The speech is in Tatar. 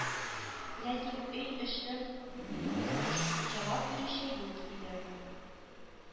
Ләкин өй эче буш, җавап бирүче юк иде